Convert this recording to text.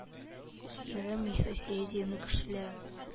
Ирем и соседи ну кершеляр